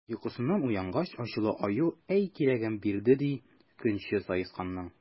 Йокысыннан уянгач, ачулы Аю әй кирәген биргән, ди, көнче Саесканның!